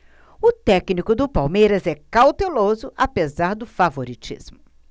o técnico do palmeiras é cauteloso apesar do favoritismo